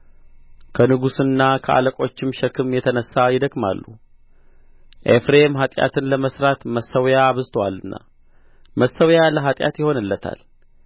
ከንጉሥና ከአለቆችም ሸክም የተነሣ ይደክማሉ ኤፍሬም ኃጢአትን ለመሥራት መሠዊያ አብዝቶአልና መሠዊያ ለኃጢአት ይሆንለታል